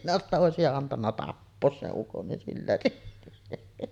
minä että olisitte antanut tappaa sen ukon niin sillä siisti